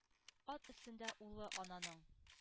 Ат өстендә улы ананың,